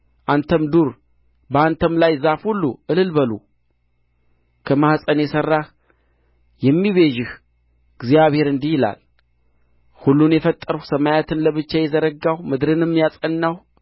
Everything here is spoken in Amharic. አንተም ዱር በአንተም ያለ ዛፍ ሁሉ እልል በሉ ከማኅፀን የሠራህ የሚቤዥህ እግዚአብሔር እንዲህ ይላል ሁሉን የፈጠርሁ ሰማያትን ለብቻዬ የዘረጋሁ ምድርንም ያጸናሁ